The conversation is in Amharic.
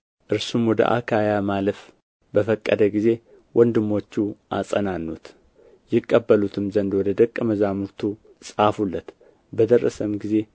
እርሱም ወደ አካይያ ማለፍ በፈቀደ ጊዜ ወንድሞቹ አጸናኑት ይቀበሉትም ዘንድ ወደ ደቀ መዛሙርት ጻፉለት በደረሰም ጊዜ